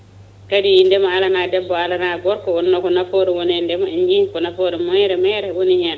kadi ndeema alana debbo alana gorko wonno ko nafoore woone ndeema en jii ko nafoore meere meere wooni hen